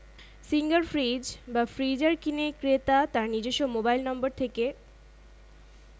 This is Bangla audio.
সিঙ্গার ফ্রিজ বা ফ্রিজার কিনে ক্রেতা তার নিজস্ব মোবাইল নম্বর থেকে